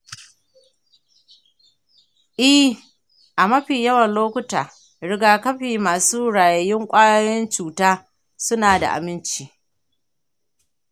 eh, a mafi yawan lokuta rigakafi masu rayayyun ƙwayoyin cuta suna da aminci.